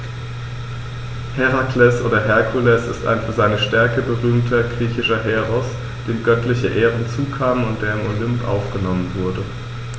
Herakles oder Herkules ist ein für seine Stärke berühmter griechischer Heros, dem göttliche Ehren zukamen und der in den Olymp aufgenommen wurde.